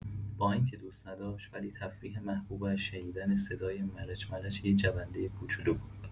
با اینکه دوست نداشت، ولی تفریح محبوبش شنیدن صدای ملچ‌ملچ یه جونده کوچولو بود.